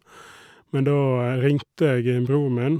Men da ringte jeg bror min.